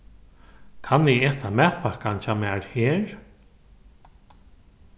kann eg eta matpakkan hjá mær her